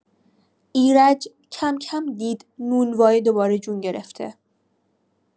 ایرج کم‌کم دید نونوایی دوباره جون گرفته.